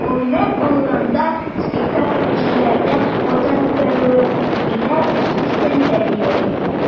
Гомумән алганда, спектакль кешеләрдә ватанпәрвәрлек хисен тәрбияли.